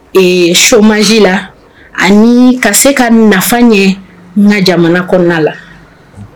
Ee chomage la, ani ka se ka nafa ɲɛ n ka jamana kɔnɔna la